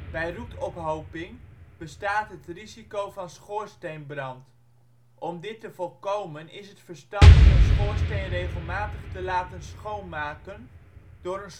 Bij roetophoping bestaat het risico van schoorsteenbrand. Om dit te voorkomen is het verstandig een schoorsteen regelmatig te laten schoonmaken door